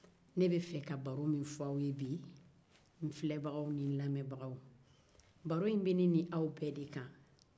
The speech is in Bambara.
ne bɛ fɛ ka baro min fɔ aw ye bi n filɛbaga ni n lamɛnbagaw baro in bɛ ne ni aw bɛɛ de kan